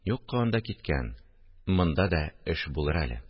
– юкка анда киткән, монда да эш булыр әле